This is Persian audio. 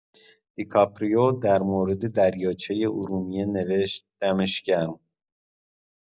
دی‌کاپریو در مورد دریاچه ارومیه نوشت، دمش گرم.